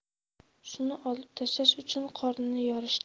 shuni olib tashlash uchun qornini yorishdi